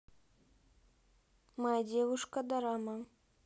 моя девушка дорама